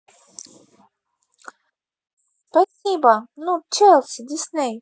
спасибо ну челси дисней